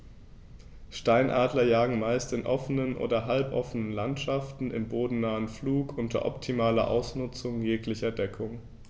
Steinadler jagen meist in offenen oder halboffenen Landschaften im bodennahen Flug unter optimaler Ausnutzung jeglicher Deckung.